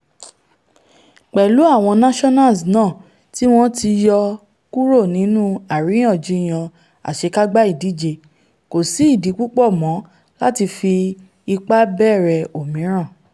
Pẹ̀lú Àwọn Nationals náà tíwọ́n ti yọ kuro nínú àríyànjiyàn àṣekágbá ìdíje, kòsí ìdí púpọ̀ mọ́ láti fi ipá bẹ̀rẹ̀ òmíràn.